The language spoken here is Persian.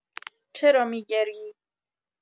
چرا می‌گریی؟